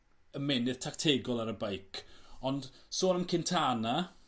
ymenydd tactegol ar y beic. Ond sôn am Quintana